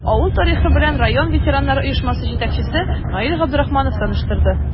Авыл тарихы белән район ветераннар оешмасы җитәкчесе Наил Габдрахманов таныштырды.